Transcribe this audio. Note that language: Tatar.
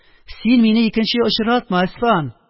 Син мине икенче очратма, Әсфан..